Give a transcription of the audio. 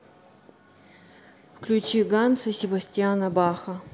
включи ганса себастьяна баха